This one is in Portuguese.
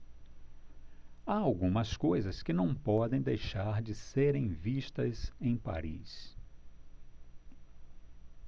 há algumas coisas que não podem deixar de serem vistas em paris